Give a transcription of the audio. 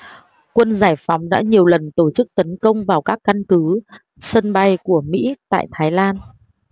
quân giải phóng đã nhiều lần tổ chức tấn công vào các căn cứ sân bay của mỹ tại thái lan